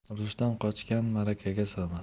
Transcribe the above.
urushdan qochgan ma'rakaga sig'mas